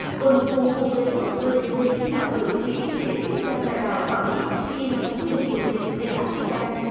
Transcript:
bộ nội vụ cũng đề xuất quy định về thi ngoại ngữ khi thi tuyển chức danh lãnh đạo quản lý khi làm quy trình bổ nhiệm đề bạt chức danh